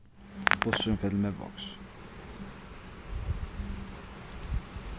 bussurin fer til miðvágs